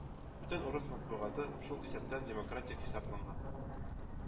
Бөтен урыс матбугаты, шул исәптән демократик хисапланган